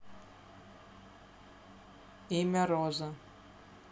имя розы